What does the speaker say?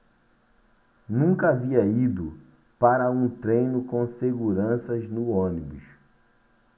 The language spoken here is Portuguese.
nunca havia ido para um treino com seguranças no ônibus